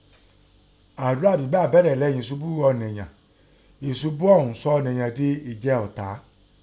Àdọ́rà gbẹ́gbà bẹ̀rẹ̀ léyìn ẹ̀ṣubú ọ̀nìyàn. Èsubú ìín sọ ọ̀nìyàn din ẹ̀jẹ ọ̀tá.